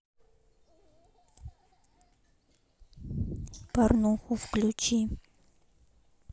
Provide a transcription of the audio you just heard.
порнуху включи